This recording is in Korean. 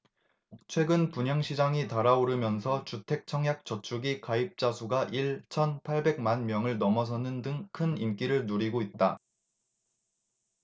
최근 분양시장이 달아오르면서 주택청약저축이 가입자수가 일 천 팔백 만명을 넘어서는 등 큰 인기를 누리고 있다